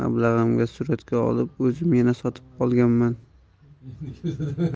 mablag'imga suratga olib o'zim yana sotib olganman